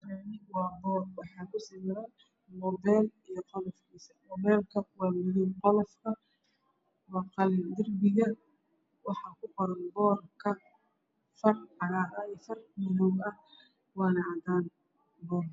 Waa boor waxaa kusawiran muubeel iyo qolofkiisa. Muubeelka waa madow qolofka waa qalin. Darbiga waxaa kuqoran boorka far cagaar ah iyo far buluug ah waana cadaan boorka.